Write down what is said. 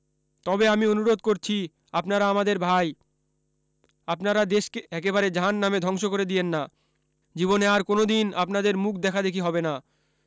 তবে আমি অনুরোধ করছি আপনারা আমাদের ভাই আপনারা দেশকে একেবারে জাহান্নামে ধংস্ব করে দিয়েন না জীবনে আর কোন দিন আপনাদের মুখ দেখা দেখি হবে না